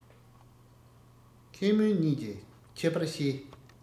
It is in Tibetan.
མཁས རྨོངས གཉིས ཀྱི ཁྱད པར ཤེས